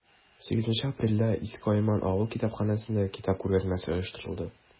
8 апрельдә иске айман авыл китапханәсендә китап күргәзмәсе оештырылды.